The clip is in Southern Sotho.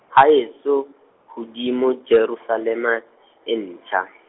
haeso, hodimo Jerusalema, e ntjha.